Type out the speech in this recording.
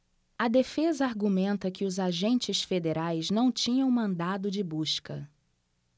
a defesa argumenta que os agentes federais não tinham mandado de busca